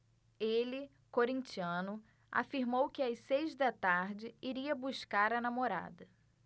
ele corintiano afirmou que às seis da tarde iria buscar a namorada